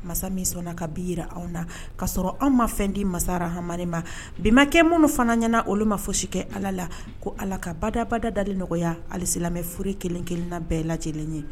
Masa min sɔnna ka bi jirara anw na ka sɔrɔ anw ma fɛn di masara hama ma bibakɛ minnu fana ɲɛna olu ma fɔ si kɛ ala la ko ala ka badabada dali nɔgɔya halimɛ furu kelen kelen na bɛɛla lajɛlen ye